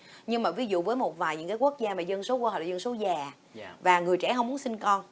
nhưng mà ví dụ với một vài những cái quốc gia mà dân số của họ là dân số già và người trẻ không muốn sinh con